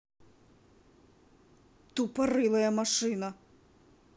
тупорылая машина